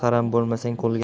qaram bo'lmassan qo'lga